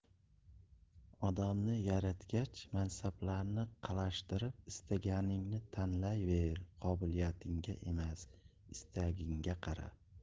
odamni yaratgach mansablarni qalashtirib istaganingni tanlayver qobiliyatingga emas istagingga qara